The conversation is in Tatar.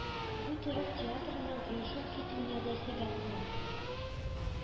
Бу төрек театрының оешып китүенә дә сәбәп була